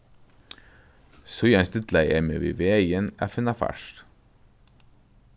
síðani stillaði eg meg við vegin at finna fart